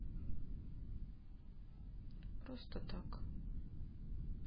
просто так